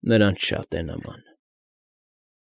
Նրանց շատ է նման։